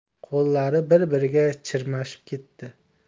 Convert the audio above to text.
qo'llari bir biriga chirmashib ketdi